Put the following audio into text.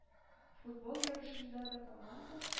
Футбол ярышында да команда